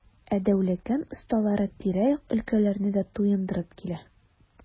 Ә Дәүләкән осталары тирә-як өлкәләрне дә туендырып килә.